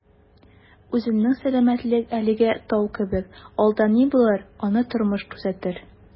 Үземнең сәламәтлек әлегә «тау» кебек, алда ни булыр - аны тормыш күрсәтер...